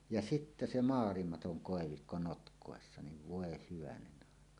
ja sitten se maailmaton koivikko notkossa niin voi hyvänen aika